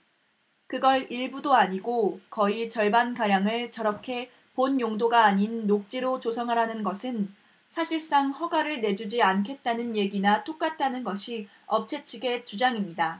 그걸 일부도 아니고 거의 절반가량을 저렇게 본 용도가 아닌 녹지로 조성하라는 것은 사실상 허가를 내주지 않겠다는 얘기나 똑같다는 것이 업체 측의 주장입니다